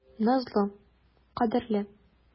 Назлы, кадерле.